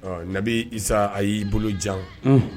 Ɔ na bɛ a y'i bolo jan